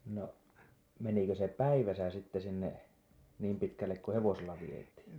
no menikö se päivässä sitten sinne niin pitkälle kuin hevosilla vietiin